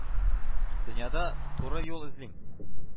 — дөньяда туры юл эзлим,